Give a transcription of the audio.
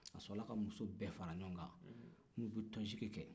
a sɔrɔ la ka muso bɛɛ fara ɲɔgɔn kan n'u bɛ tɔnsigi kɛ